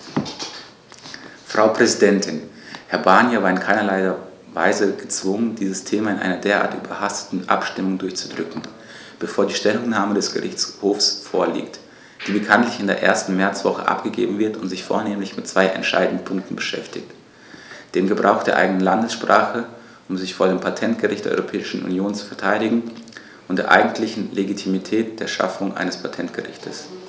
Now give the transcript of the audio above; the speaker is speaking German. Frau Präsidentin, Herr Barnier war in keinerlei Weise gezwungen, dieses Thema in einer derart überhasteten Abstimmung durchzudrücken, bevor die Stellungnahme des Gerichtshofs vorliegt, die bekanntlich in der ersten Märzwoche abgegeben wird und sich vornehmlich mit zwei entscheidenden Punkten beschäftigt: dem Gebrauch der eigenen Landessprache, um sich vor dem Patentgericht der Europäischen Union zu verteidigen, und der eigentlichen Legitimität der Schaffung eines Patentgerichts.